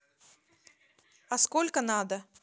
а сколько надо